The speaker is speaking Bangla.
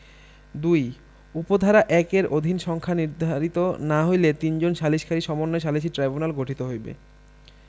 ২ উপ ধারা ১ এর অধীন সংখ্যা নির্ধারিত না হইলে তিনজন সালিসকারী সমন্বয়ে সালিসী ট্রাইব্যুনাল গঠিত হইবে